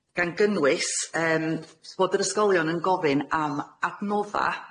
gan gynnwys yym bod yr ysgolion yn gofyn am adnodda'